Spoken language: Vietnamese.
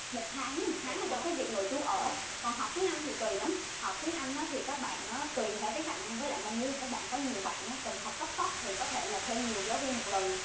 một tháng một tháng là cho cái việc nội trú ở còn học tiếng anh thì tùy lắm học tiếng anh nó thì các bạn nhớ tùy theo khả năng với lại mong muốn các bạn có nhiều bạn cần học cấp tốc thì có thể là thuê nhiều giáo viên một lần